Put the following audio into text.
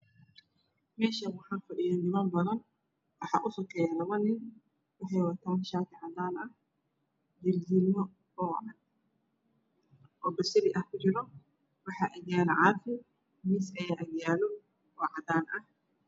Meeshaan waxaa fadhiyo niman badan waxaa u sukeeyo labo nin waxay wataan shaati cadaan ah diildiilmo oo basaliya kujiro waxaa agyaalo caafi iyo miis oo cadaan ah.